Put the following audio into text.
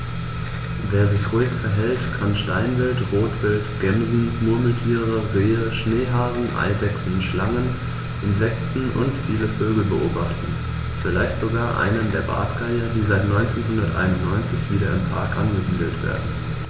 Wer sich ruhig verhält, kann Steinwild, Rotwild, Gämsen, Murmeltiere, Rehe, Schneehasen, Eidechsen, Schlangen, Insekten und viele Vögel beobachten, vielleicht sogar einen der Bartgeier, die seit 1991 wieder im Park angesiedelt werden.